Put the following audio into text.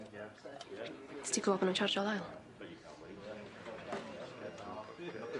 Nest ti glwad bo' nw'n tsiarjio Lyle?